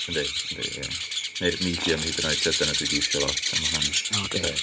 Yndy yndy, ia neu'r medium hyd yn oed tibod. Dyna dwi 'di iwsio lot, a ma' hwnna'n fatha...